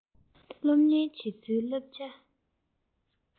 སློབ གཉེར བྱེད ཚུལ བསླབ བྱ